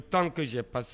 Tant que j'ai pas s